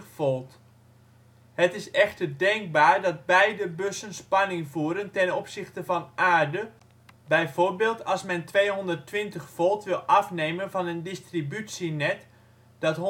volt. Het is echter denkbaar dat beide bussen spanning voeren ten opzichte van aarde, bijvoorbeeld als men 220V wil afnemen van een distributienet dat